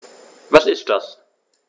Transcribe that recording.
Was ist das?